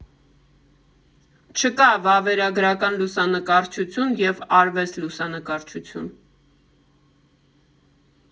Չկա վավերագրական լուսանկարչություն և արվեստ լուսանկարչություն։